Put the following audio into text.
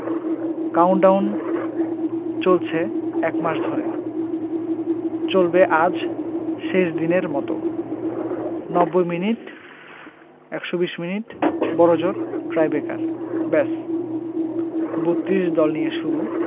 countdown চলছে এক মাস ধরে চলবে আজ শেষ দিনের মতো ৯০ মিনিট ১২০ মিনিট বড়জোর টাইব্রেকার ব্যস ৩২ দল নিয়ে শুরু